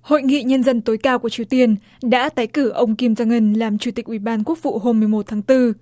hội nghị nhân dân tối cao của triều tiên đã tái cử ông kim dong ưn làm chủ tịch ủy ban quốc vụ hôm mùng một tháng tư